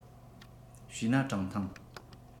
བྱས ན གྲངས ཐང